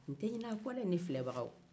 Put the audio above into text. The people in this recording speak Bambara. n'tɛ ɲina a kɔ dɛɛ ne filabagaw